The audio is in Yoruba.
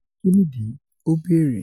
Kí nìdí? o beere.